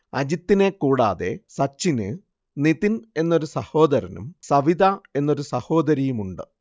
അജിത്തിനെ കൂടാതെ സച്ചിന് നിതിൻ എന്നൊരു സഹോദരനും സവിത എന്നൊരു സഹോദരിയുമുണ്ട്